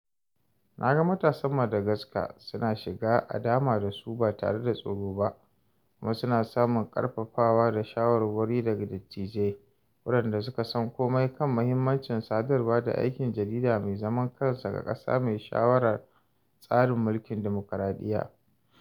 Na ga matasan Madagascar suna shiga a dama dasu ba tare da tsoro ba, kuma suna samun ƙarfafawa da shawarwari daga dattijai, waɗanda suka san komai kan mahimmancin sadarwa da aikin jarida mai zaman kansa ga ƙasa mai shawa'ar tsarin mulkin dimokuraɗiyya.